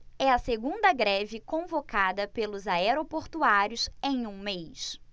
é a segunda greve convocada pelos aeroportuários em um mês